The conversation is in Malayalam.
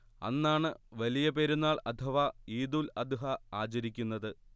അന്നാണ് വലിയ പെരുന്നാൾ അഥവാ ഈദുൽ അദ്ഹ ആചരിയ്ക്കുന്നത്